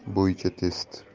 filmlar bo'yicha test